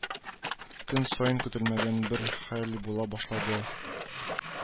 Көн саен көтелмәгән бер хәл була башлады